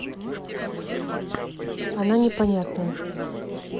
она непонятная